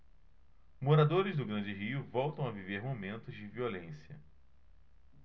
moradores do grande rio voltam a viver momentos de violência